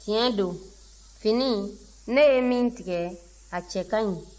tiɲɛ don fini ne ye min tigɛ a cɛ ka ɲi